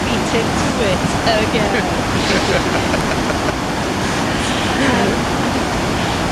...beat him to it, again. Yym, a yc-